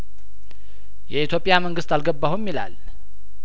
የኢትዮጵያ መንግስት አልገባሁም ይላል